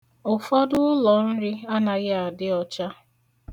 Ụfọdụ ụlọnri anaghị adị ọcha.